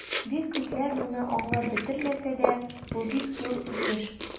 Бик күпләр моны аңлап бетермәсә дә, бу бик зур үсеш.